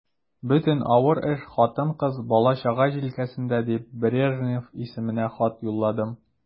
Бөтен авыр эш хатын-кыз, бала-чага җилкәсендә дип, Брежнев исеменә хат юлладым.